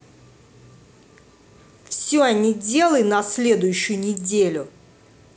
все не делай на следующую неделю